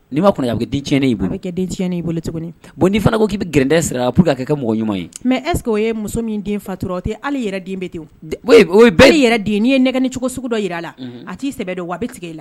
N b ma kɔnɔ kɛ di tiɲɛn' a kɛ den tiɲɛn'i bolo tuguni bon n' fana ko k'i grind sira a'' kɛ mɔgɔ ɲuman ye mɛ ɛsseke o ye muso min den fatura tɛ ale yɛrɛ den bɛ to o ye bɛɛ yɛrɛ den n'i ye nɛgɛ ni cogo sugu dɔ jira a la a t'i sɛbɛ don wa a tigɛ' e la